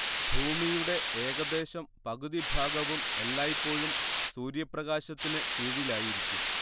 ഭൂമിയുടേ ഏകദേശം പകുതി ഭാഗവും എല്ലായ്പ്പോഴും സൂര്യപ്രകാശത്തിന് കീഴിലായിരിക്കും